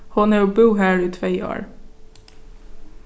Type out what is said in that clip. hon hevur búð har í tvey ár